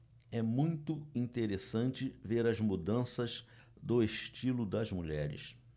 é muito interessante ver as mudanças do estilo das mulheres